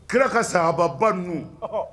Kira ka sababa ninnu